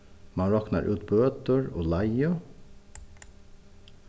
mann roknar út bøtur og leigu